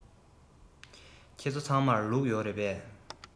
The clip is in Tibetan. ཁྱེད ཚོ ཚང མར ལུག ཡོད རེད